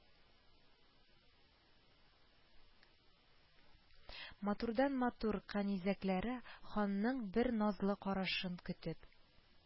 Матурдан-матур кәнизәкләре ханның бер назлы карашын көтеп,